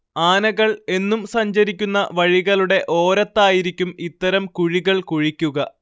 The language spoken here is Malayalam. ആനകൾ എന്നും സഞ്ചരിക്കുന്ന വഴികളുടെ ഓരത്തായിരിക്കും ഇത്തരം കുഴികൾ കുഴിക്കുക